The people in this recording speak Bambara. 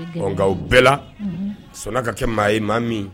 U bɛɛ la sɔnna ka kɛ maa ye maa min